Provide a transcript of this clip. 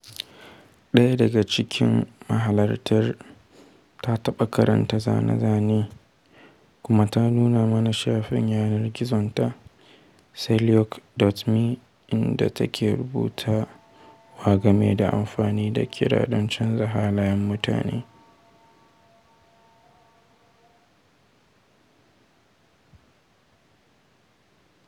Ɗaya daga cikin mahalarta ta taɓa karanta zane-zanen, kuma ta nuna mana shafin yanar gizonta, Selouk.me, inda take rubutawa game da amfani da ƙira don canza halayen mutane.